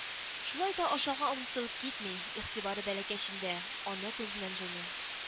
Шулай да ашауга онытылып китми, игътибары бәләкәчендә, аны күзеннән җуймый